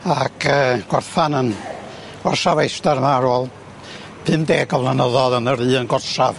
ac yy gorffan yn Orsaf Feistr 'ma ar ôl pum deg o flynyddodd yn yr un gorsaf.